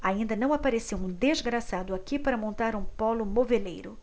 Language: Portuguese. ainda não apareceu um desgraçado aqui para montar um pólo moveleiro